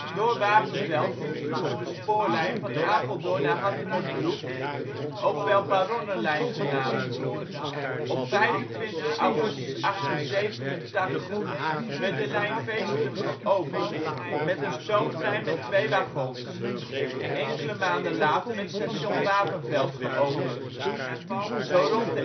Door Wapenveld liep vroeger de spoorlijn van Apeldoorn naar Hattemerbroek, ook wel " Baronnenlijn " genaamd. Op 25 augustus 1887 werd de lijn feestelijk geopend met een stoomtrein met twee wagons. Enkele maanden later werd Station Wapenveld geopend. Zo rond